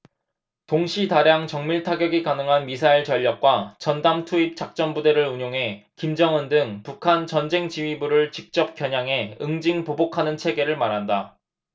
동시 다량 정밀타격이 가능한 미사일 전력과 전담 투입 작전부대를 운용해 김정은 등 북한 전쟁지휘부를 직접 겨냥해 응징 보복하는 체계를 말한다